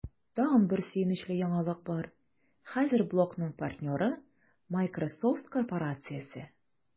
Тагын бер сөенечле яңалык бар: хәзер блогның партнеры – Miсrosoft корпорациясе!